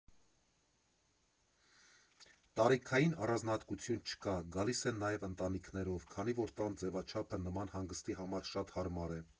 Տարիքային առանձնահատկություն չկա, գալիս են նաև ընտանիքներով, քանի որ տան ձևաչափը նման հանգստի համար շատ հարմար է։